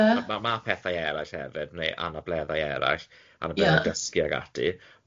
Ma- ma' pethe eraill hefyd, neu anableddau eraill, anableddau dysgu ag ati.